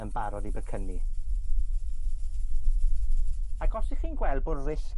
yn barod i becynnu. Ac os 'ych chi'n gweld bo' rysg